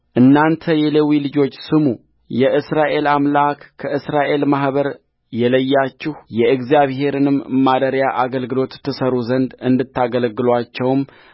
እናንተ የሌዊ ልጆች ስሙየእስራኤል አምላክ ከእስራኤል ማኅበር የለያችሁ የእግዚአብሔርንም ማደሪያ አገልግሎት ትሠሩ ዘንድ እንድታገለግሉአቸውም